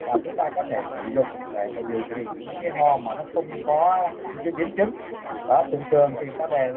mà chúng ta có thể sử dụng để điều trị những cái ho mà nó không có những cái biến chứng đó thường thường thì ta đề